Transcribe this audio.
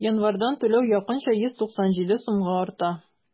Январьдан түләү якынча 197 сумга арта.